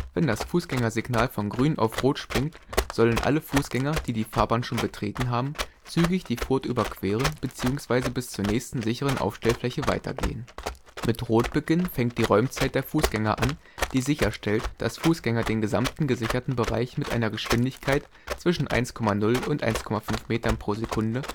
Wenn das Fußgängersignal von Grün auf Rot springt, sollen alle Fußgänger, die die Fahrbahn schon betreten haben, zügig die Furt überqueren, bzw. bis zur nächsten sicheren Aufstellfläche weitergehen. Mit Rotbeginn fängt die Räumzeit der Fußgänger an, die sicherstellt, dass Fußgänger den gesamten gesicherten Bereich mit einer Geschwindigkeit zwischen 1,0 und 1,5 m/s (in der